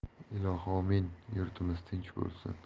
ilohi omi in yurtimiz tinch bo'lsin